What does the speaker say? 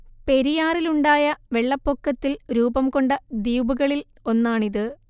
പെരിയാറിലുണ്ടായ വെള്ളപ്പൊക്കത്തിൽ രൂപം കൊണ്ട ദ്വീപുകളിൽ ഒന്നാണിത്